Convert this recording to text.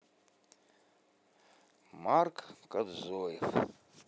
марк кодзоев